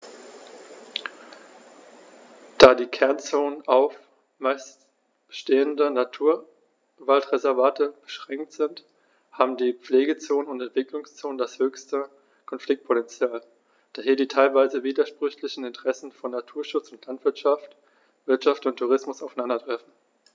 Da die Kernzonen auf – zumeist bestehende – Naturwaldreservate beschränkt sind, haben die Pflegezonen und Entwicklungszonen das höchste Konfliktpotential, da hier die teilweise widersprüchlichen Interessen von Naturschutz und Landwirtschaft, Wirtschaft und Tourismus aufeinandertreffen.